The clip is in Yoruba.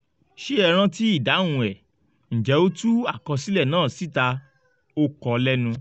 Ṣé ẹ rántí ìdáhùn ẹ̀... ǹjẹ́ o tú àkọsílẹ̀ náà síta? Ó kọ lẹ́nu